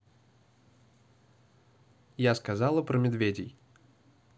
я сказала про медведей